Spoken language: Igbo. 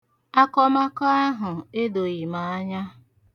Akọmakọ ahụ edoghị m anya.